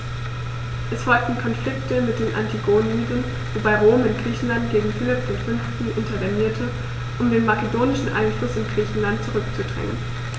Es folgten Konflikte mit den Antigoniden, wobei Rom in Griechenland gegen Philipp V. intervenierte, um den makedonischen Einfluss in Griechenland zurückzudrängen.